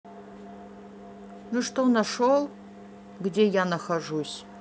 ну что нашел где я нахожусь